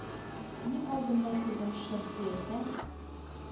Мин алдымда күрдем шыр сөяктән